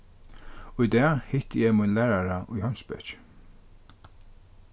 í dag hitti eg mín lærara í heimspeki